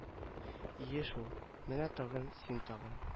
Ие шул менә тагын син тагын